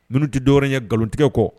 Tɛ dɔɔnin ye nkalontigɛ kɔ